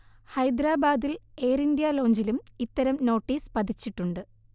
ഹൈദരാബാദിൽ എയർഇന്ത്യ ലോഞ്ചിലും ഇത്തരം നോട്ടീസ് പതിച്ചിട്ടുണ്ട്